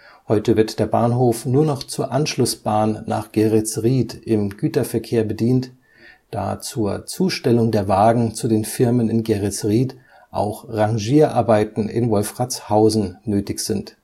Heute wird der Bahnhof nur zur Anschlussbahn nach Geretsried im Güterverkehr bedient, da zur Zustellung der Wagen zu den Firmen in Geretsried auch Rangierarbeiten in Wolfratshausen nötig sind